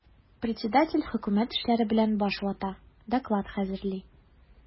Председатель хөкүмәт эшләре белән баш вата, доклад хәзерли.